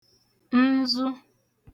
nzu